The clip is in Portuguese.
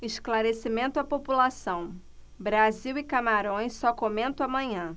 esclarecimento à população brasil e camarões só comento amanhã